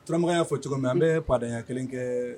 Turamakan'a fɔ cogo min an bɛ padenyaya kelen kɛ